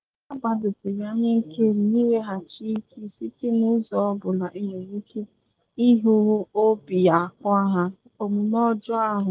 Ha gbadosiri anya ike na iweghachi ike site n’ụzọ ọ bụla enwere ike, ị hụrụ obi akpọ ha, omume ọjọọ ahụ.